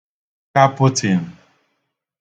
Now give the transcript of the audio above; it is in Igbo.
kapụtị̀ǹ